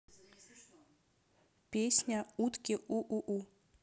песня утки уу